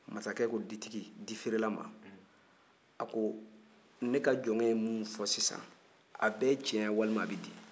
masakɛ ko ditigi di feerela ma a ko ne ka jɔnkɛ minnu fɔ sisan a bɛɛ ye tiɲɛ ye wa walima a bɛ di